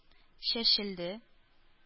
Чәчелде